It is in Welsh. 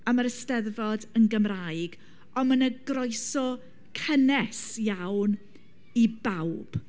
A ma'r Eisteddfod yn Gymraeg, ond mae yna groeso cynnes iawn i bawb.